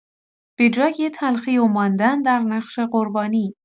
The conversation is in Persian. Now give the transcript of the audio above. به‌جای تلخی و ماندن در نقش قربانی